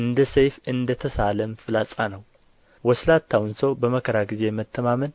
እንደ ሰይፍ እንደ ተሳለም ፍላጻ ነው ወስላታውን ሰው በመከራ ጊዜ መተማመን